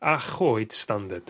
a choed standard.